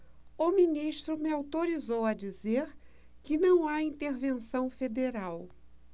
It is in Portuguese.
o ministro me autorizou a dizer que não há intervenção federal